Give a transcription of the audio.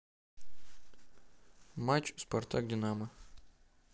матч спартак динамо